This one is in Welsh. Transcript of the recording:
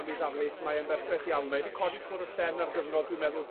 ###am 'i ddarlith, mae e'n berffeth iawn. Mae 'di codi cwr y llen ar gyfnod, dwi'n meddwl,